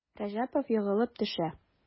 Рәҗәпов егылып төшә.